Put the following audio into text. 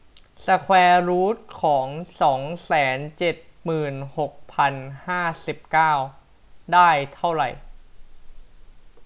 สแควร์รูทของสองแสนเจ็ดหมื่นหกพันห้าสิบเก้าได้เท่าไหร่